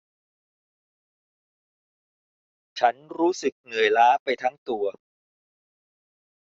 ฉันรู้สึกเหนื่อยล้าไปทั้งตัว